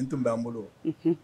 Nin tun bɛ'an bolo, unhun